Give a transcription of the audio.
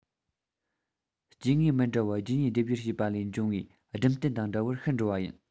སྐྱེ དངོས མི འདྲ བ རྒྱུད གཉིས སྡེབ སྦྱོར བྱས པ ལས འབྱུང བའི སྦྲུམ རྟེན དང འདྲ བར ཤི འགྲོ བ ཡིན